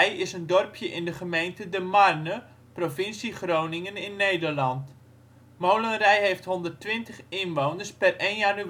is een dorpje in de gemeente De Marne, provincie Groningen, Nederland. Molenrij heeft 120 inwoners (1-1-2008